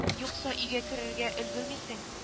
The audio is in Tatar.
—юкса, өйгә керергә өлгермисең